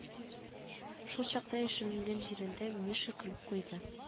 Шул чакта яшеренгән җирендә миша көлеп куйды